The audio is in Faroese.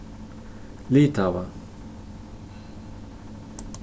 litava